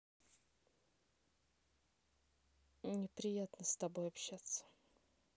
неприятно с тобой общаться